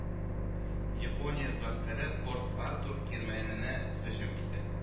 Япония гаскәре Порт-Артур кирмәненә һөҗүм итә